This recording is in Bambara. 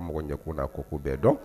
Mɔgɔ ɲɛko n'a kɔko bɛɛ dɔn